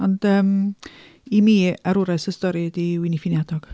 Ond yym i mi arwres y stori ydy Wini Ffini Hadog.